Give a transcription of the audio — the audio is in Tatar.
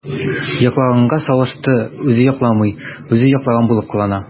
“йоклаганга салышты” – үзе йокламый, үзе йоклаган булып кылана.